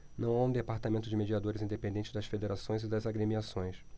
não há um departamento de mediadores independente das federações e das agremiações